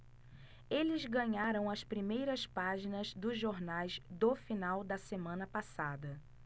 eles ganharam as primeiras páginas dos jornais do final da semana passada